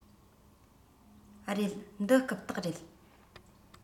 རེད འདི རྐུབ སྟེགས རེད